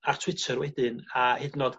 ar Twitter wedyn a hyd yn o'd